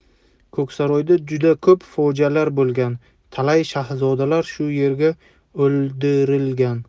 ko'ksaroyda juda ko'p fojialar bo'lgan talay shahzodalar shu yerda o'ldirilgan